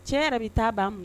Cɛ yɛrɛ bɛ taa ban